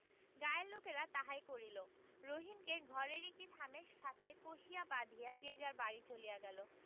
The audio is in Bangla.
গাঁয়ের লোকেরা তাহাই করিল রহিমকে ঘরের একটি খামের সাথে কষিয়া বাধিয়া যে যার বাড়ি চলিয়া গেল